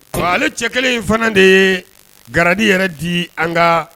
Ɔ ale cɛ kelen in fana de ye gadi yɛrɛ di an ka